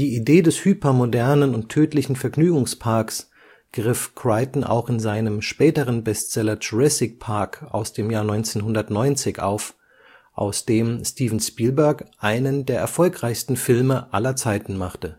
Idee des hypermodernen und tödlichen Vergnügungsparks griff Crichton auch in seinem späteren Bestseller Jurassic Park (1990) auf, aus dem Steven Spielberg einen der erfolgreichsten Filme aller Zeiten machte